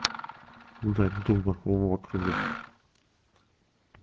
дать дуба в округе